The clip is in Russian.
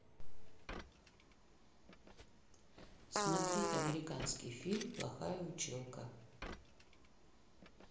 смотреть американский фильм плохая училка